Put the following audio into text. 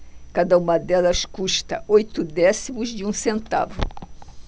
cada uma delas custa oito décimos de um centavo